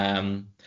Yym.